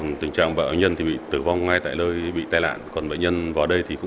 tình trạng bệnh nhân thì bị tử vong ngay tại nơi bị tai nạn còn bệnh nhân vào đây thì cũng